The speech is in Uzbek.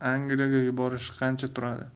yuborish qancha turadi